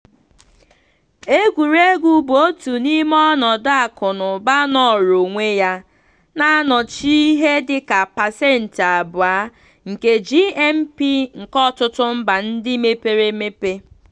Egwuregwu bụ otu n'ime ọnọdụ akụnụba nọrọ onwe ya, na-anọchi ihe dịka 2% nke GNP nke ọtụtụ mba ndị mepere emepe.